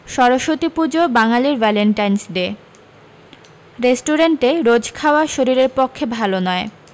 সরস্বতী পূজো বাঙালির Valentine's Day রেস্টুরেণ্টে রোজ খাওয়া শরীরের পক্ষে ভালো নয়